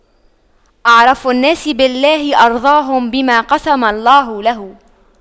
أعرف الناس بالله أرضاهم بما قسم الله له